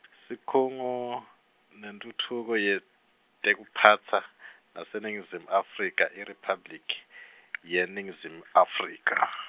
sikhungo, nentfutfuko yeTekuphatsa , saseNingizimu Afrika IRiphabliki, yeNingizimu Afrika.